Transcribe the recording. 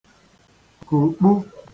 kùkpu